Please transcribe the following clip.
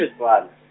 -vale.